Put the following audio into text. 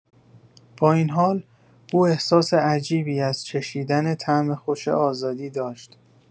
با این حال، او احساس عجیبی از چشیدن طعم خوش آزادی داشت.